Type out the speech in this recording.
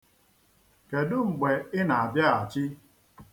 Kedu mgbe Ị na-abịaghachị?